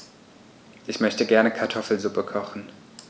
Ich möchte gerne Kartoffelsuppe kochen.